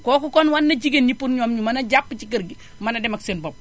kooku kon wan na jigéen ñi pour ñoom ñu mën a jàpp ci kër gi mën a dem ak seen bopp